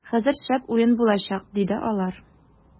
- хәзер шәп уен булачак, - диде алар.